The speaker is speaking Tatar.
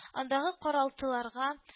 Андагы каралтыларга